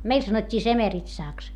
meillä sanottiin semeritsaksi